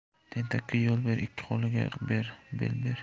tentakka yo'l ber ikki qo'liga bel ber